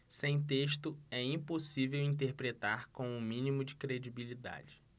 sem texto é impossível interpretar com o mínimo de credibilidade